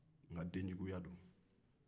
nka denjuguya don